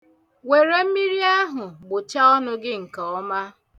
Were mmiri ahụ gbụchaa ọnụ gị nke ọma.